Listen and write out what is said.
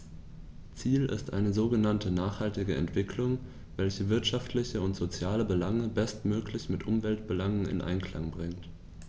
Ziel ist eine sogenannte nachhaltige Entwicklung, welche wirtschaftliche und soziale Belange bestmöglich mit Umweltbelangen in Einklang bringt.